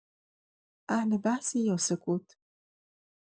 اهل بحثی یا سکوت؟